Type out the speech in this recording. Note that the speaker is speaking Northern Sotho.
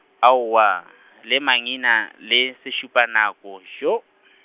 aowa , le mangina le sešupanako, joo?